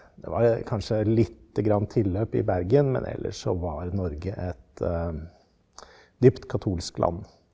det var kanskje lite grann tilløp i Bergen men ellers så var Norge et dypt katolsk land.